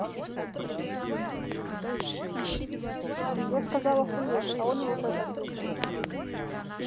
я сказала охуеть а он вот это ответил